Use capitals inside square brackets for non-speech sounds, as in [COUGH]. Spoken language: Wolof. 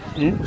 [HESITATION]